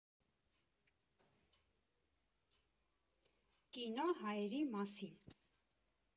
Կինո՝ հայերի մասին։